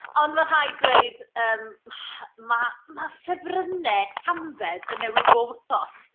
Ond ma' rhaid gweud, yym ma' ma' ffefrynnau Llambed yn newid bob wythnos.